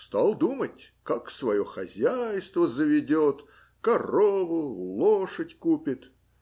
стал думать, как свое хозяйство заведет, корову, лошадь купит.